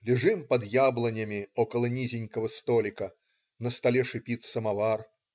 Лежим под яблонями около низенького столика. На столе шипит самовар.